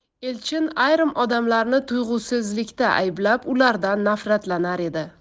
elchin ayrim odamlarni tuyg'usizlikda ayblab ulardan nafratlanar edi